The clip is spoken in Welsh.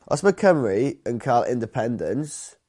Os ma' Cymru yn ca'l independance